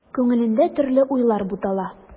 Күңелендә төрле уйлар бутала.